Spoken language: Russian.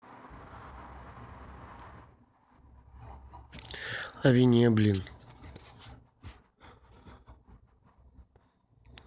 а вине блин